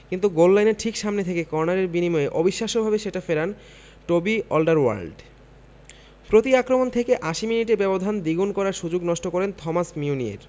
কিন্তু গোললাইনের ঠিক সামনে থেকে কর্নারের বিনিময়ে অবিশ্বাস্যভাবে সেটা ফেরান টবি অলডারওয়ার্ল্ড প্রতি আক্রমণ থেকে ৮০ মিনিটে ব্যবধান দ্বিগুণ করার সুযোগ নষ্ট করেন থমাস মিউনিয়ের